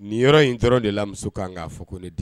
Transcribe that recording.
Nin yɔrɔ in tɔɔrɔ de la muso kan k'a fɔ ko ne ten